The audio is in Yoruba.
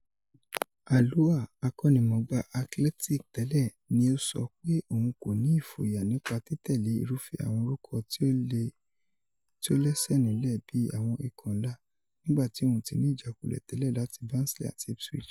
Alloa Akọ́nimọ̀ọ́gbà Athletic tẹlẹ ni ó sọ pé òun kò ní ìfòyà nípa títẹ̀lé irúfẹ́ àwọn orúkọ tí ó lẹ́sẹ̀ nílẹ̀ bíi àwọn ikọ̀ ńlá, nígbà tí òun tí ni ìjákulẹ̀ tẹ́lẹ̀ láti Barnsley àti ipswich.